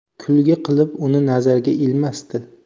kulgi qilib uni nazariga ilmasdi